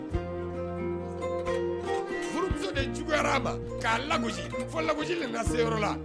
Furujuguyara a ma k'a lago lago se la